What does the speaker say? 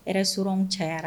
Restaurants cayara